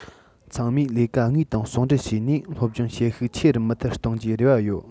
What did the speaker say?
ཚང མས ལས ཀ དངོས དང ཟུང འབྲེལ བྱས ནས སློབ སྦྱོང བྱེད ཤུགས ཆེ རུ མུ མཐུད བཏང རྒྱུའི རེ བ ཡོད